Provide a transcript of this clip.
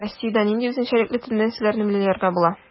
Ә Россиядә нинди үзенчәлекле тенденцияләрне билгеләргә була?